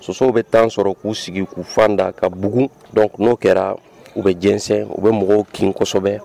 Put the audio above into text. Sosow bɛ taa sɔrɔ k'u sigi k'u fanda ka bugu dɔn n'o kɛra u bɛ jsɛn u bɛ mɔgɔw kin kosɛbɛ